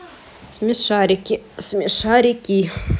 смешарики смешарики